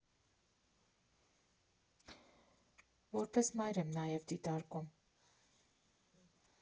Որպես մայր եմ նաև դիտարկում.